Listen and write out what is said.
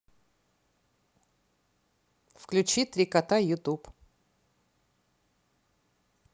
включи три кота ютуб